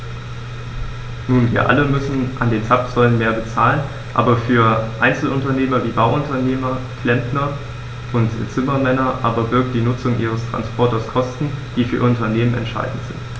Nun wir alle müssen an den Zapfsäulen mehr bezahlen, aber für Einzelunternehmer wie Bauunternehmer, Klempner und Zimmermänner aber birgt die Nutzung ihres Transporters Kosten, die für ihr Unternehmen entscheidend sind.